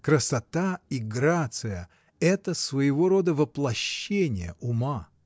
Красота и грация — это своего рода воплощение ума.